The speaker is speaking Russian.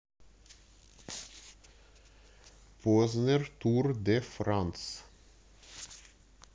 познер тур де франс